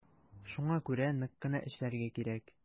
Шуңа күрә нык кына эшләргә кирәк.